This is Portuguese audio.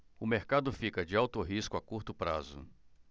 o mercado fica de alto risco a curto prazo